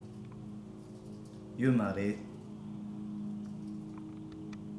ཡོད མ རེད